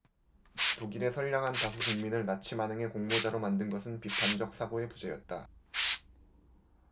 독일의 선량한 다수 국민을 나치 만행의 공모자로 만든 것은 비판적 사고의 부재였다